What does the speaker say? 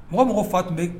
Mɔgɔ mɔgɔ fa tun bɛ